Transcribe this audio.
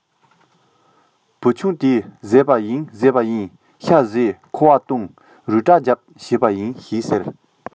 བུ ཆུང དེས བཟས པ ཡིན བཟས པ ཡིན ཤ བཟས ཁུ བ བཏུང རུས བཀྲས རྒྱབ བྱས པ ཡིན ཟེར བཤད